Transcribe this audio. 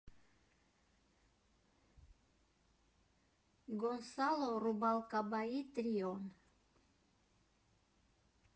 Գոնսալո Ռուբալկաբայի տրիոն։